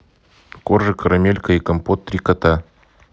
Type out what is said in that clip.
коржик карамелька и компот три кота